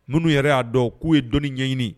Minnu yɛrɛ y'a dɔn k'u ye dɔnni ɲɛɲini